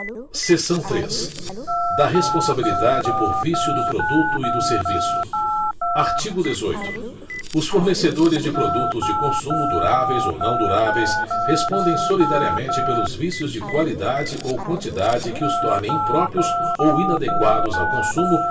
seção três da responsabilidade por vício do produto e do serviço artigo dezoito os fornecedores de produtos de consumo duráveis ou não duráveis respondem solidariamente pelos vícios de qualidade ou quantidade que os tornem impróprios ou inadequados ao consumo